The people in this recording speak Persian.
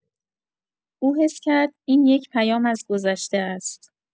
او حس کرد این یک پیام از گذشته است.